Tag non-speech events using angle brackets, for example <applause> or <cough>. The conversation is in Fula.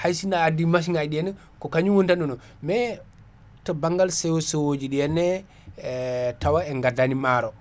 hay sinno a addi massiŋaji ɗi henna kañum wondanono mais to banggal sewo sewoji ɗi henna <hesitation> e tawa en gaddani maaro